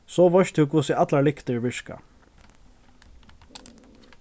so veitst tú hvussu allar lyktir virka